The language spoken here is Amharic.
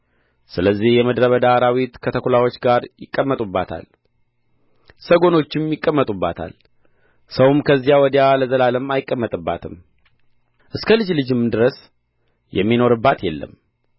ስለዚህ የምድረ በዳ አራዊት ከተኵላዎች ጋር ይቀመጡባታል ሰጐኖችም ይቀመጡባታል ሰውም ከዚያ ወዲያ ለዘላለም አይቀመጥባትም እስከ ልጅ ልጅም ድረስ የሚኖርባት የለም